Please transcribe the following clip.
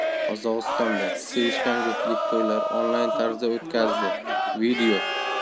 qozog'istonda sevishgan juftlik to'ylarini onlayn tarzda o'tkazdi video